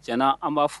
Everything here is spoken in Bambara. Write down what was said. Tiɲɛ na an ba fo.